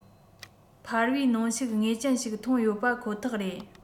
འཕར བའི གནོན ཤུགས ངེས ཅན ཞིག ཐོན ཡོད པ ཁོ ཐག རེད